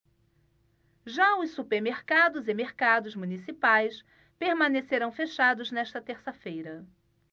já os supermercados e mercados municipais permanecerão fechados nesta terça-feira